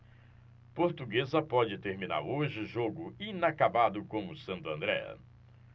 portuguesa pode terminar hoje jogo inacabado com o santo andré